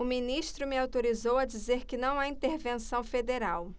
o ministro me autorizou a dizer que não há intervenção federal